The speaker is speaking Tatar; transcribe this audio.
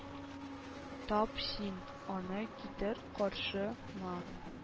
Тап син аны китер каршы ма